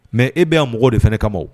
Mais e bɛ yan mɔgɔw de fana ka ma oo